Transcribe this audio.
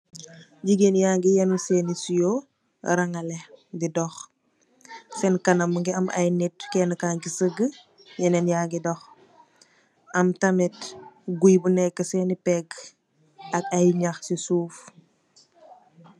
Jigeen yangi yenu sen siwo tangale di dox sen kanam mongi am ay nitt kenen ka ñgi sega yenen ya ngi dox am tamit gooi bu neke seni pega ay nxaax si suuf.